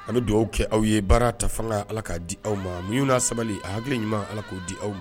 An bɛ dugawu kɛ aw ye baara ta fanga ala k kaa di aw ma min' sabali a hakiliki ɲuman ala k'o di aw ma